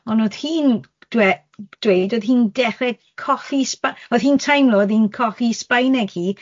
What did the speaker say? ond o'dd hi'n dwe- dweud o'dd hi'n dechre colli Sba-... Oedd hi'n teimlo o'dd hi'n colli Sbaeneg hi